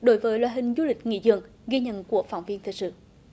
đối với loại hình du lịch nghỉ dưỡng ghi nhận của phóng viên thật sự